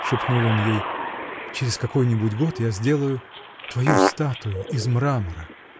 — шепнул он ей, — через какой-нибудь год я сделаю. твою статую — из мрамора.